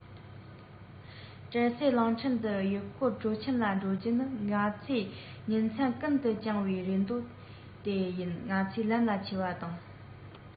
ཀྲེར སེ གླིང ཕྲན དུ ཡུལ སྐོར སྤྲོ འཆམ ལ འགྲོ རྒྱུ ནི ང ཚོས ཉིན མཚན ཀུན ཏུ བཅངས པའི རེ འདོད དེ ཡིན ང ཚོ ལམ ལ ཆས པ དང